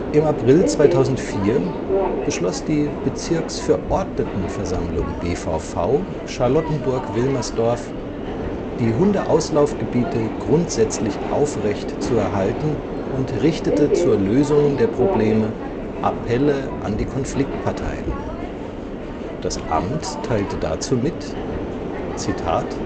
Im April 2004 beschloss die Bezirksverordnetenversammlung (BVV) Charlottenburg-Wilmersdorf, die Hundeauslaufgebiete grundsätzlich aufrechtzuerhalten und richtete zur Lösung der Probleme Appelle an die Konfliktparteien. Das Amt teilte dazu mit: „ Das